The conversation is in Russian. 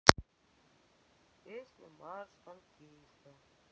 песня марш танкиста